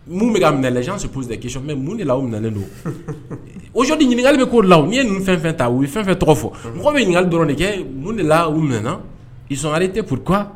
Mun bɛ ka minɛ les gens se posent la question mais mun de la ninnu minɛnen don aujourd'hui ɲininkali bɛ k'o de la, n'i ye ninnu fɛn o fɛn ta, u ye fɛn o fɛn ta, u ye fɛn o fɛn tɔgɔ fɔ mɔgɔ bɛ ɲininkali dɔrɔn de kɛ mun de la, u minɛnan? ils sont arrivés pourquoi .